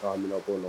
K'a minɛ' na